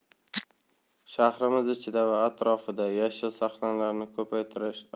shahrimiz ichida va atrofida yashil sahnlarni ko'paytirish